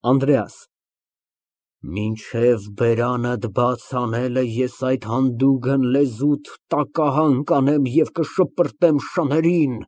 ԱՆԴՐԵԱՍ ֊ Մինչև բերանդ բաց անելը, ես այդ հանդուգն լեզուդ տակահան կանեմ և կշպրտեմ շներին։